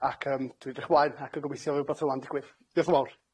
ac yym dwi'n edrych ymlaen ac yn gobeithio fydd wbath fyl 'a'n digwydd. Diolch yn fawr.